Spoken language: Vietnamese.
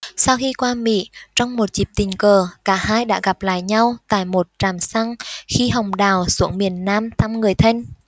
sau khi qua mỹ trong một dịp tình cờ cả hai đã gặp lại nhau tại một trạm xăng khi hồng đào xuống miền nam thăm người thân